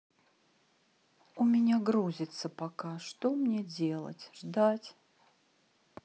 у меня грузится пока что мне делать ждать